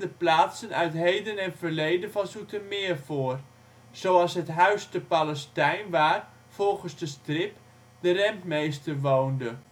plaatsen uit heden en verleden van Zoetermeer voor, zoals het Huis te Palenstein waar, volgens de strip, de rentmeester woonde